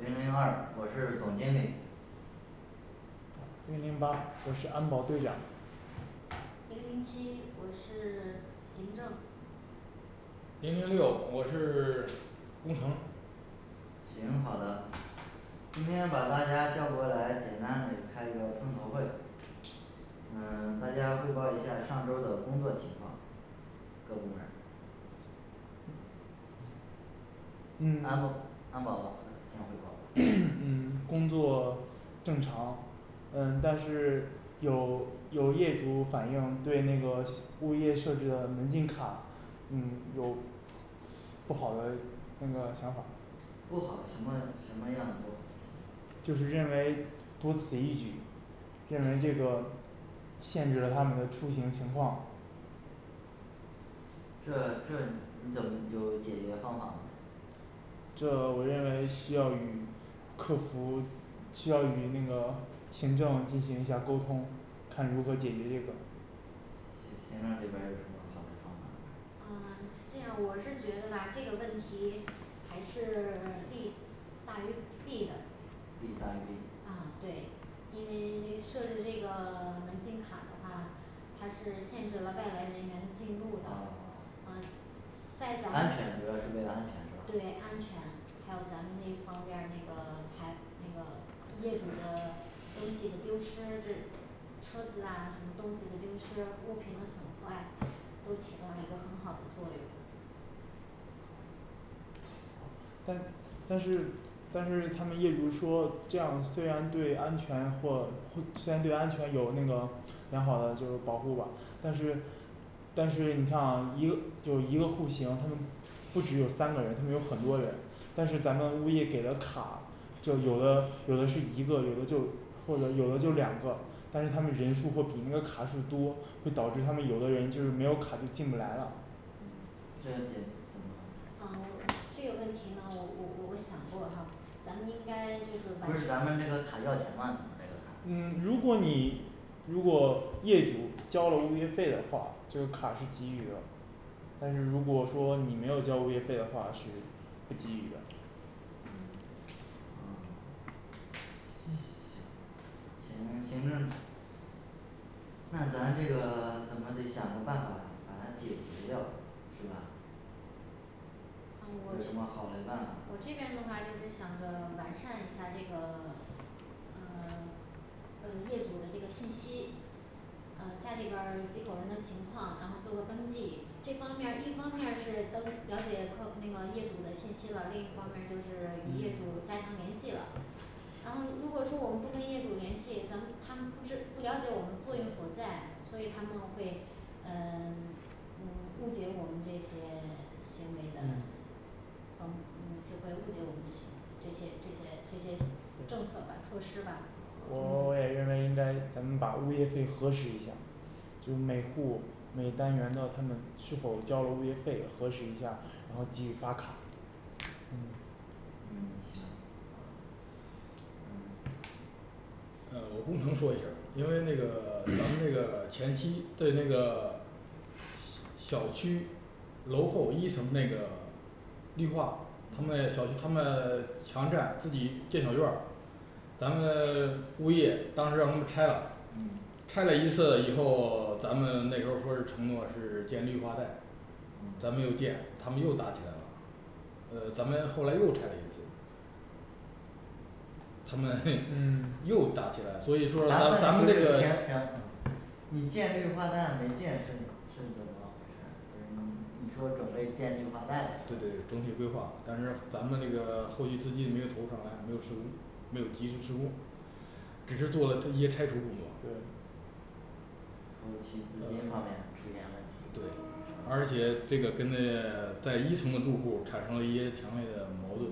零零二我是总经理零零八我是安保队长零零七我是 行政零零六我是 工程行好的今天把大家叫过来简单给开一个碰头会嗯 大家汇报一下儿上周儿的工作情况各部门儿嗯安 安保的先汇报嗯工作 正常不好什么什么样能够就是认为多此一举认为这个限制了他们的出行情况这这你怎么你 有解决方法吗这我认为需要与客服需要与那个行政进行一下沟通看如何解决这个行 行政这边儿有什么好的方法吗啊 是这样我是觉得吧这个问题还是 利大于弊的利大于弊啊对因为 设置这个 门禁卡的话它是限制了外来人员的进入的啊 啊在安咱全主要是为了安全是对吗安全还有咱们这那方面儿那个 财那个业主的东西的丢失这车子啊什么东西的丢失物品的损坏都起到了一个很好的作用但但是但是他们业主说这样虽然对安全做苏 虽然对安全有那个良好这个的保护吧但是就有的有的是一个有的就或者有的就两个但是他们人数或比那个卡数多会导致他们有的人就是没有卡就进不来了嗯这点怎啊么我这个问题呢我我我我想过哈咱们应该就是晚不是咱们这个卡要钱吗咱们这个卡嗯如果你如果业主交了物业费的话这个卡是给予的但是如果说你没有交物业费的话是不给予的嗯啊嗯行行行政那咱这个 怎么得想个办法把它给解决掉是吧啊我有是什么 好嘞办法我现在的话就是想着完善一下这个 呃 嗯业主的这个信息呃家里边儿几口人的情况然后做个登记这方面儿一方面儿是登了解客那个业主的信息了另一方面儿就是与业嗯主加强联系了然后如果说我们不跟业主联系咱们他们不知 不了解我们作用所在所以他们会呃 嗯误解我们这些 行为的他们嗯就会误解我们的行为这些这些这些政策吧措施吧我 也认嗯为应该咱们把物业费核实一下儿就每户每单元的他们是否交了物业费核实一下儿然后给予发卡嗯嗯行好嘞嗯 嗯咱们 物业当时让他们拆嗯了拆了一次以后 咱们那时候儿说是承诺是建绿化带咱没有建他们又打起来了呃咱们后来又拆了一次他们 又搭起来所以说嗯咱们这停个停停你建绿化带没建是是怎么回事儿不是你 你说准备建绿化带是吧对对对总体规划但是咱们这个 后续资金没有投入上来没有施工没有及时施工只是做了一些拆除工作对后期资金方面出现了问题呃对而且这个跟那 在一层的住户儿产生了一些强烈的矛盾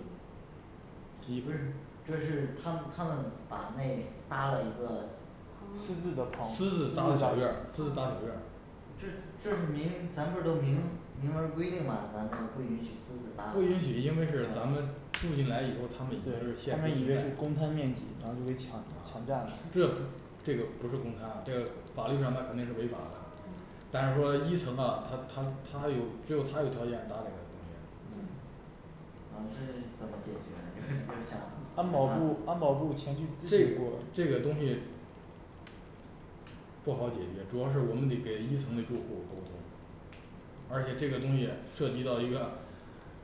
你不是这是他们 他们把那搭了一个私自嗯的棚私自搭小院儿私自搭小院儿这这不是明 咱不是都明明文儿规定吗咱这个不允许私自搭不允许因为是咱们住进来以后他们以对他们以为为是是公摊面积然后就给抢拿 强占了这这个不是公摊啊这个法律上他肯定是违法的嗯但是说一层啊他他他有只有他有条件搭这个东西嗯矛盾怎么解决就是你 就想安好保嘞办部法安保部前去咨这询不过这个东西不好解决主要是我们得给一层嘞住户沟通而且这个东西涉及到一个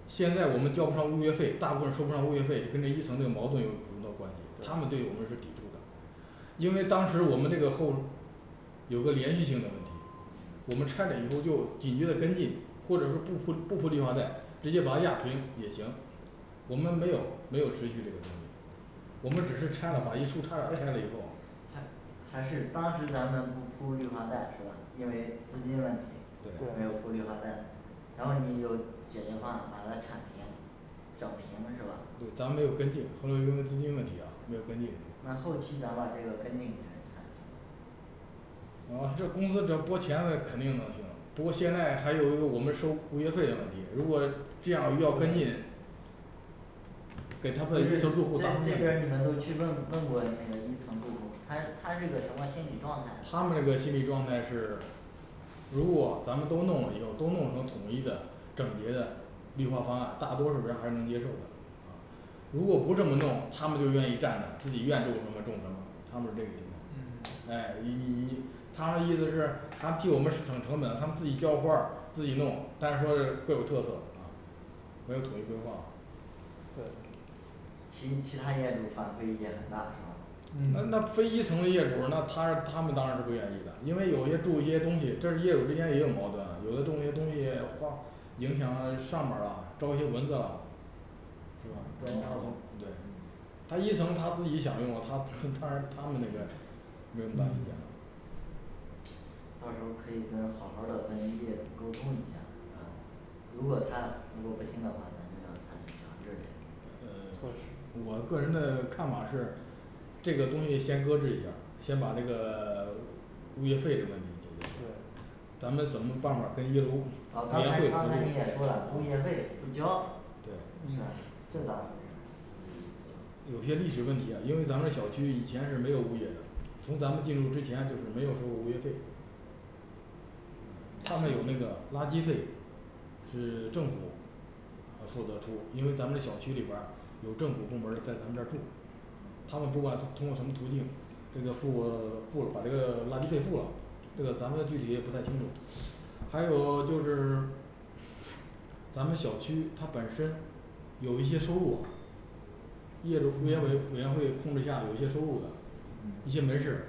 现在我们交不上物业费大部分收不上物业费就跟这一层这个矛盾有很大关系他们对我对们是抵触的 因为当时我们这个后有个连续性的问题我们拆了以后就紧接着跟进或者说不铺 不铺绿化带，直接把它压平也行我们没有没有持续这个东西我们只是拆了把一处差点拆了以后还还是当时咱们不铺绿化带是吧因为资金问题没有铺绿对化对带然后你有解决方案把它铲平整平是吧对咱没有跟进后来因为资金问题啊没有跟进那后期咱们把这个跟进一下儿你看行吗啊这公司这拨钱了肯定能行不过现在还有一个我们收物业费的问题如果这样又要跟进给他会一层住户造成更他们一个心理状态是如果咱们都弄了以后都弄成统一的整洁的绿化方案大多数儿人还是能接受的啊 如果不这么弄他们就愿意占着自己愿种什么种什么嗯这其其他业主反馈意见很大是吗那非一嗯层的业主那他他们当然是不愿意了因为有些种一些东西这儿业主之间也有矛盾啊有的种一些东西花影响了上边儿了招一些蚊子了对他一层他自己享用了他当然他们那边儿没那么大意见了嗯到时候儿可以跟好好的跟业主沟通一下儿是吧如果他如果不听的话咱就要采取强制的措施嗯措呃施 我个人的看法是这个东西先搁置一下儿先把这个 物业费这个问题解决一下儿对咱们怎么办法跟业主合作呃刚才刚才你也说了物业费不交是吧对嗯这咋回事儿有些历史问题呀因为咱们小区以前是没有物业的从咱们进入之前就是没有收过物业费他们有那个垃圾费是政府啊呃负责出因为咱们这小区里边儿有政府部门儿在咱们这儿住他们不管通过什么途径这个付 付把这个垃圾费付了这个咱们具体也不太清楚还有就是咱们这小区它本身有一些收入啊业主资源委委员会控制下有一些收入的嗯一些门市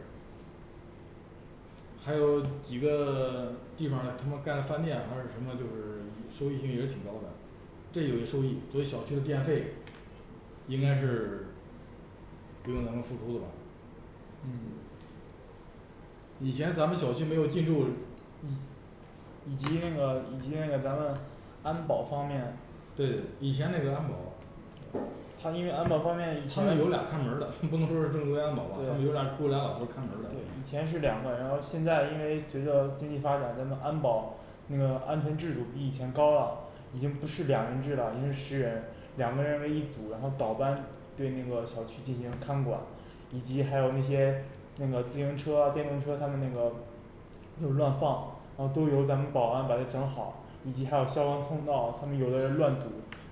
还有几个 地方儿他们盖了饭店好像是什么就是 收益性也是挺高的这有些收益所以小区的电费应该是 不用咱们付出的吧嗯以前咱们小区没有进驻嗯以及那个以及那个咱们安保方面对以前那个安保他因为安保方面他们有俩看门儿的不能说是正规安保吧他们有俩雇俩老头儿看门儿的对以前是两个然后现在因为随着经济发展人们安保那个安全制度比以前高了已经不是两人制了应该十人两个人为一组然后倒班对那个小区进行看管以及还有那些那个自行车电动车他们那个就乱放然后都由咱们保安把它整好以及还有消防通道他们有的人乱堵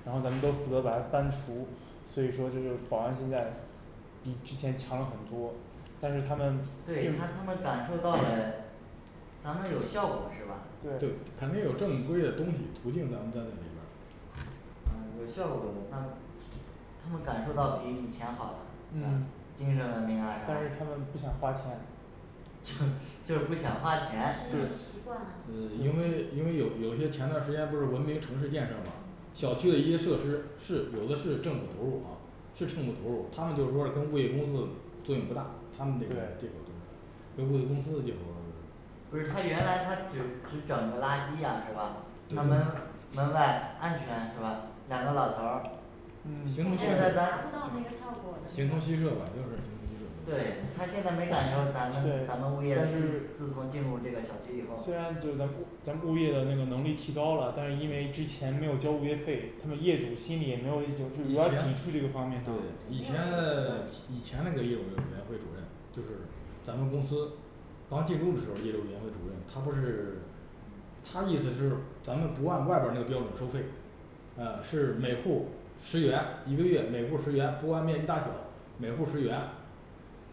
然后咱们都负责把它搬除所以说这就保安现在比之前强了很多但是他们对对就他他们感受到嘞咱们有效果是吧对肯定有正规的东西途径咱们在那里边儿啊有效果了那他们感受到比以前好了是吧嗯经历了但是他们不想花钱就 就是不想花他钱这这是习惯了嗯对跟物业公司的借口儿不就是是他原来他只只整个垃圾呀是吧他们对嗯门外安全是吧两个老头儿现嗯在达咱不到那个效果的形同虚设吧就是对他现在没感受咱对们咱们物但业自是自从进入这个小区以后虽然就咱顾 以前对以前 对没有这个习惯以其实前那个业主委委员会主任就是咱们公司刚进入的时候儿业主委员会主任他不是他意思是咱们不按外边儿那个标准收费呃是每户儿十元一个月每户儿十元不管面积大小每户儿十元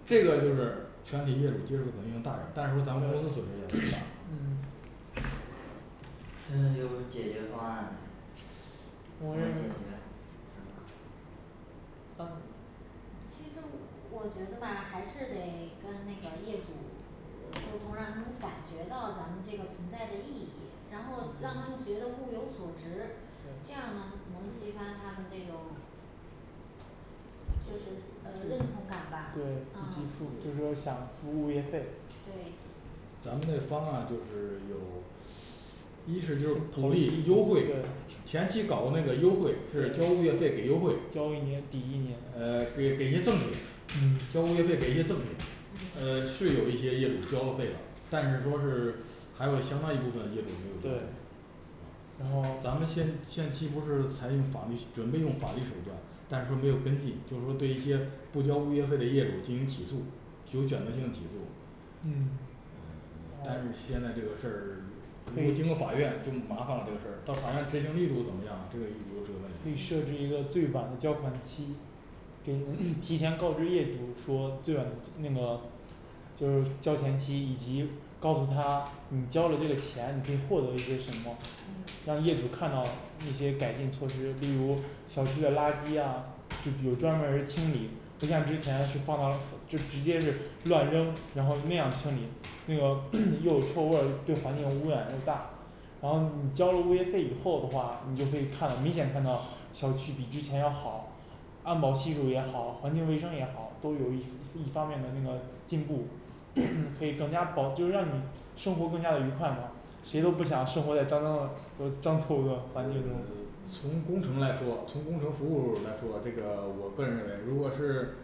这个就是全体业主接受的可能性大一点儿但是说咱们公司损失也很大 嗯现在都有解决方案没有吗啊其实我觉得吧还是得 跟那个业主呃沟通让他们感觉到咱们这个存在的意义然后让他们觉得物有所值这样呢能激发他们这种就是呃认同感吧啊嗯对就是说想付物业费对咱们的方案就是有一是就是鼓励优惠对前期搞过那个优惠是交物业费给优惠交一年抵一年呃嗯给给些赠品交物业费给一些赠品嗯呃是有一些业主交了费了但是说是还有相当一部分业主没有对交然后嗯咱们现现期不是采用法律准备用法律手段但是说没有跟进就是说对一些不交物业费的业主进行起诉有选择性起诉嗯嗯 但是现在这个事儿如果经过法院就麻烦了这个事儿到法院执行力度怎么样这个有呃可以这个问 可以题设置一个最晚的交款期给您 提前告知业主说最晚那个就是交钱期以及告诉他你交了这个钱你可以获得一些什么让业主看到那些改进措施例如小区的垃圾呀是有专门儿人儿清理不像之前是放到就直接是乱扔然后那样清理那个 又有臭味儿对环境污染又大然后你交了物业费以后的话你就可以看明显看到小区比之前要好安保系数也好环境卫生也好都有一一方面的那个进步 可以更加保 就是让你生活更加的愉快嘛谁都不想生活在糟糕的就脏臭的环境中呃嗯嗯从工程来说从工程服务儿来说这个我个人认为如果是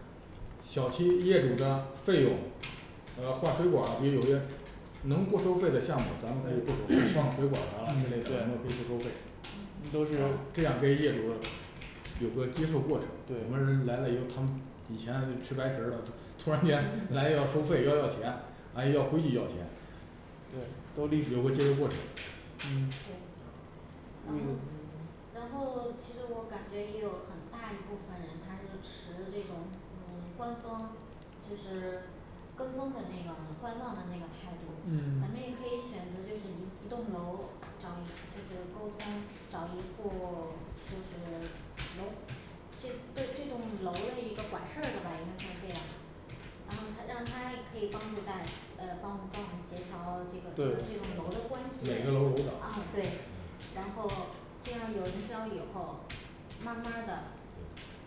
小区业主的费用呃换水管儿比如有些能不收费的项目咱们可以不收费换 水管儿啊嗯之类的咱们可对以不收费嗯啊啊这样给业主有个接受过程我对们来了以后他们以前吃白食儿的都突然间 来了要收费要要钱啊要规矩要钱对都有理个接嗯受过程啊对然呃后 然后 其实我感觉也有很大一部分人他是持这种嗯观风就是跟风的那个观望的那个态度嗯咱们 也可以选择就是一一栋楼找一就是沟通找一户儿 就是楼这对这栋楼的一个管事儿的吧应该算这样对每嗯对个楼楼长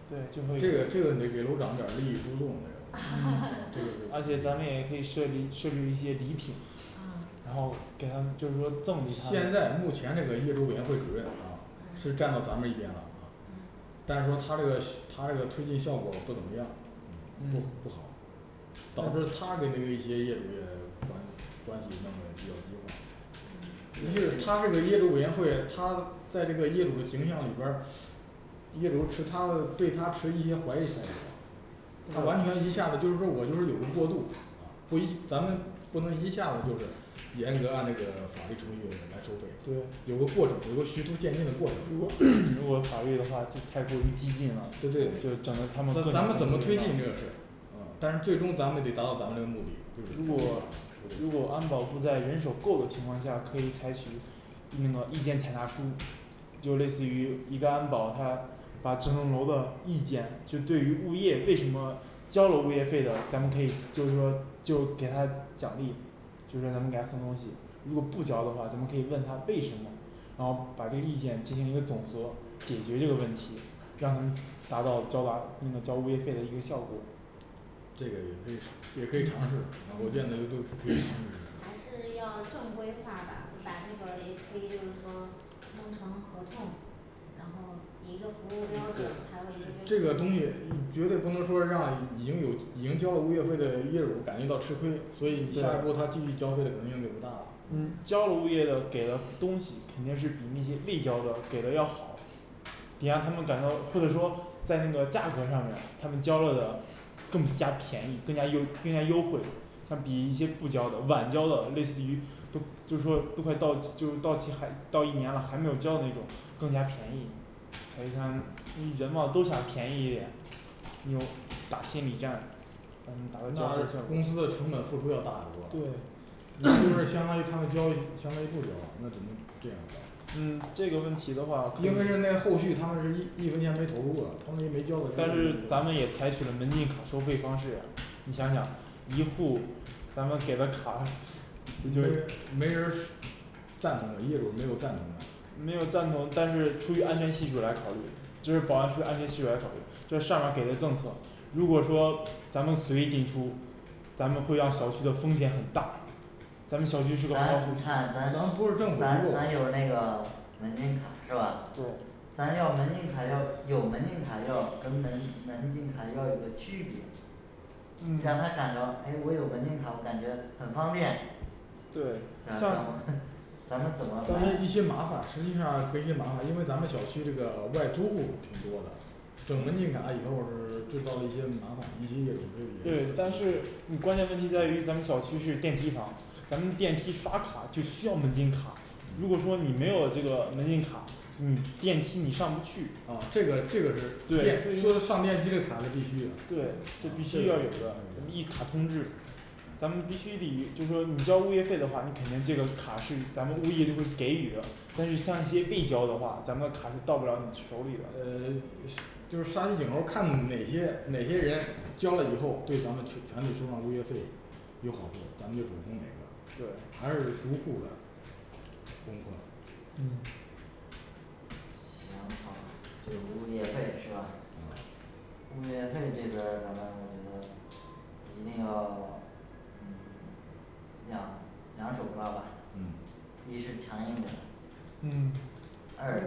对就会有这个这个得给嗯楼长点儿利益输送这个东西这而个且知咱道吗们也可以设立设置一些礼品然啊后给他们就是说赠与他现在目前这个们业主委员会主任啊是站到嗯嗯咱们一边了啊嗯但是说他这个效 他这个推荐效果不怎么样不不好导致他跟那个一些业主也关关系弄得也比较激化你就嗯是他这个业主委员会他在这个业主的形象里边儿业主持他对他持一些怀疑态度他完全一下子就是说我就是有个过渡啊所以咱们不能一下子就是严格按那个法律程序来收费对有个过程有个徐图渐进的过如 程如果法律的话就太过于激进了就对对是这整得他咱们们怎么推进这个事儿但是呃最终咱们得达到咱们这个目的就是收费如果如果安保部在人手够的情况下可以采取那个意见采纳书就是类似于一个安保他把整栋楼的意见就对于物业为什么交了物业费的咱们可以就是说就给他奖励就说咱们给他送东西如果不交的话咱们可以问他为什么然后把这个意见进行一个总合解决这个问题让他们达到交达那个交物业费的一个效果这个也可以是也可以尝试啊我见得也够可以尝试一下的还是要正规化吧把这个也可以就是说弄成合同然后拟一个服务你标这准这还有 这一个个东西嗯绝对不能说让已经有已经交了物业费的人业主感觉到吃亏所以下一波儿对他继续交费的可能性就不大了嗯交了物业的给的东西肯定是比那些未交的给的要好得让他们感到就是说在那个价格上面儿他们交了的更加便宜更加优更加优惠像比一些不交的晚交的类似于都 就是说都快到就是到期还 到一年了还没有交那种更加便宜它就相当于嗯人嘛都想便宜一点那种打心理战让他们达到这种那效公司的成本果付出要大很多了对也就是相当于他们交相当于不交啊那只能这 样交嗯这个问题的话因为人民后续他们是一分钱没投入啊他们就没交过但是咱们也采取了门禁卡收费方式啊你想想一户咱们给了卡也就是没人儿没人儿赞同的业主没有赞没有同的赞同但是出于安全系数来考虑就是保安出于安全系数来考虑这上面儿给的政策如果说咱们随意进出咱们会让小区的风险很大咱们小区是个咱看咱咱不是政府咱咱有那个门禁卡是吧对咱要门禁卡要有门禁卡要跟门没门禁卡要有个区别让他嗯感到诶我有门禁卡我感觉很方便对但咱们怎么来一些麻烦实际上是一些麻烦因为咱们小区这个外租户挺多的整门禁卡以后是制造了一些麻烦一些业主是也是对但是你关键问题在于咱们小区是电梯房咱们电梯刷卡就需要门禁卡如果说你没有这个门禁卡你电梯你上不去嗯啊这个这个是所以说上电梯的卡是必对对是必须须的要有一个一卡通制咱们必须得就是说你交物业费的话你肯定这个卡是咱们物业就会给予的但是像一些被交的话咱们卡是到不了你手里呃 呃是 的是就是杀鸡儆猴看哪些哪些人交了以后对咱们全 全体收上物业费有好处咱们就主攻哪个还对是逐户儿的攻克行嗯好这个物业费是吧嗯物业费这边儿咱们我觉得一定要 嗯两两手抓吧嗯一是强硬点儿嗯二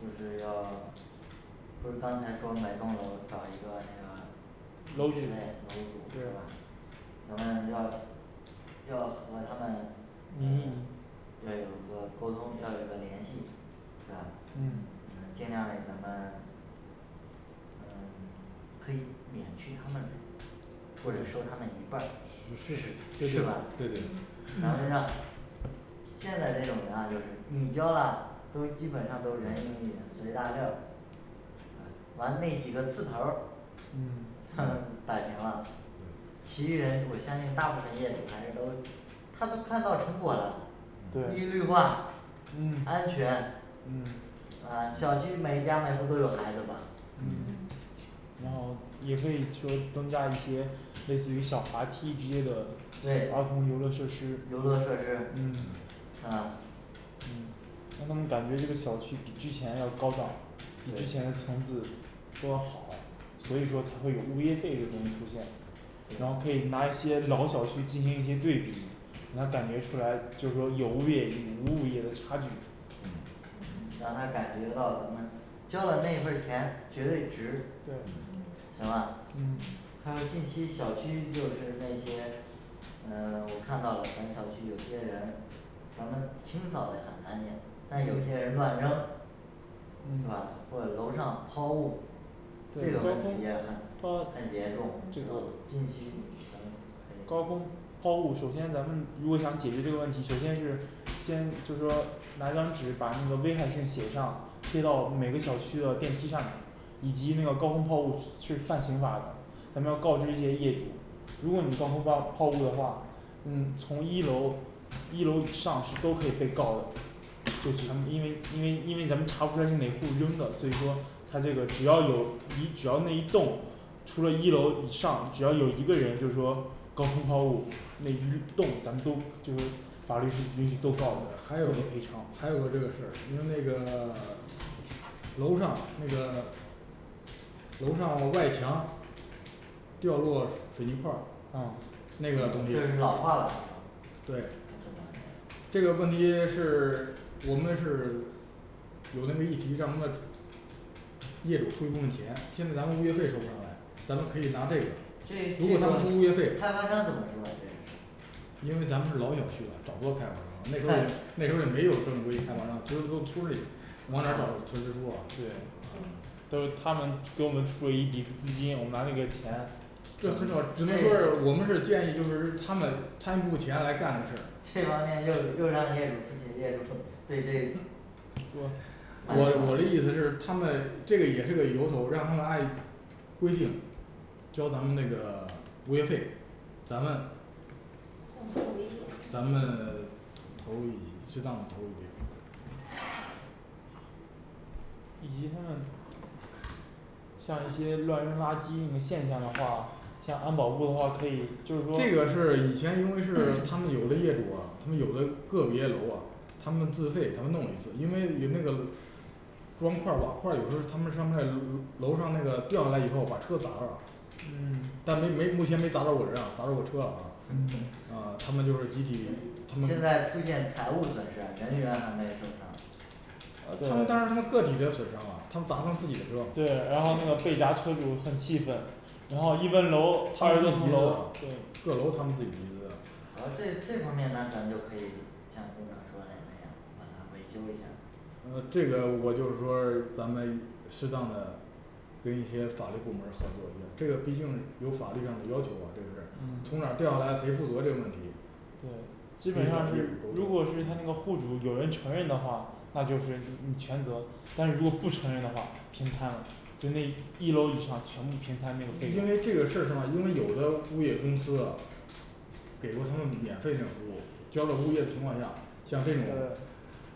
就是要不是刚才说每栋楼找一个那楼个主室内楼主对是吧我们要嗯 嗯嗯 可以免去他们嘞或者收他们一半儿是是 对对是吧对对然后让嗯现在这种人啊就是你交啦都基本上都人云亦云随大流儿啊完那几个刺头儿嗯 摆平了对其余人我相信大部分业主还是都他们看到成果了对一绿化嗯安全嗯啊小区每家每户都有孩子吧嗯嗯嗯然后也可以修增加一些类似于小滑梯之类的对儿童游乐设施游乐设施嗯是吧嗯让他们感觉这个小区比之前要高档比之前的层对次都要好所以说才会有物业费这个东西出现然后可以拿一些老小区进行一些对比让他感觉出来就是说有物业与无物业的差距嗯对嗯让他嗯感觉到咱们对嗯嗯嗯嗯这个高空抛物高空抛物首先咱们如果想解决这个问题首先是先就说拿一张纸把那个危害性写上贴到每个小区的电梯上面儿以及那个高空抛物是犯刑法的咱们要告知业业主如果你高空挂抛物的话你从一楼一楼以上是都可以被告的构成因为因为因为咱们查不出来是哪户儿扔的所以说它这个只要有你只要那一栋除了一楼以上只要有一个人就是说高空抛物那一栋咱们都就是法律是允许都告呃 的还有个赔偿还有个这个事儿因为那个 楼上因为那个楼上那个楼上外墙掉落水泥块儿啊那个东西就是老化了是吗刚过完年对这个问题 是 我们是有那个议题让他们业主出一部分钱现在咱们物业费收不上来咱们可以拿这个这这个如果他们出物业费开发商怎么说啊这个事情因为咱们是老小区了找不到开发商了那时候 儿啊那时候儿也没有正规开发商就是从村里往哪儿找村支书啊对对都是他们给我们出了一笔资金我们拿那个钱这很早只能说我们是建议就是他们摊部分钱来干这个事儿不我我的意思是他们这个也是个由头让他们按规定交咱们那个 物业费咱们咱们 投入一些适当的投入一些以及他们像一些乱扔垃圾那现象的话像安保部的话可以就是说这个事儿以前因为是他们有的业主啊他们有的个别楼啊他们自费他们弄一次因为也那个砖块儿瓦块儿有时候儿他们上面的嗯嗯楼楼上那个掉下来以后把车砸了嗯但没没那天没砸到我身上砸到我车啊嗯啊他们就是集体他们现在出现财务损失啊人员还没损伤啊他啊们对当然他个体的损伤了他们砸伤自己的车对然后那个被砸车主很气愤然后一边儿楼差点儿又对各楼他们自己集资的然后这这方面那咱就可以像工程说的那样把它维修一下儿呃这个我就是说咱们适当的跟一些法律部门儿合作一下这个毕竟有法律上的要求啊这个事儿从哪掉下来谁负责这个问题对基本上是如果是他那个户主有人承认的话那就是你全责但如果不承认的话平摊了就那一楼以上全部平摊那个费用因为这个事儿是吧因为有的物业公司啊给过他们免费的服务交了物业的情况下像这种对